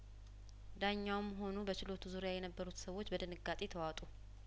ዳኛውም ሆኑ በችሎቱ ዙሪያ የነበሩት ሰዎች በድንጋጤ ተዋጡ